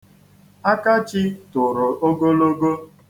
Akachi toro ogologo.